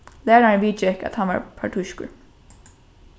lærarin viðgekk at hann var partískur